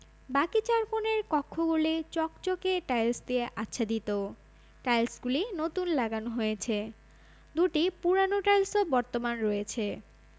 বাকি চার কোণের কক্ষগুলি চকচকে টাইলস দিয়ে আচ্ছাদিত টাইলসগুলি নতুন লাগানো হয়েছে দুটি পুরানো টাইলসও বর্তমান রয়েছে